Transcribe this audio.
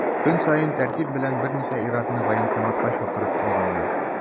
Көн саен тәртип белән берничә ир-атны военкоматка чакыртып алганнар.